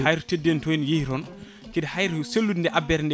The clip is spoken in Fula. hayto teddedi to ina yeehi toon kadi hayto sellude nde abbere nde